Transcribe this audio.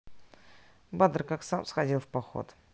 badr как сам сходил в поход